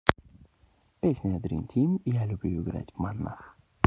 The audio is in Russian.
песня dream team я люблю играть в монах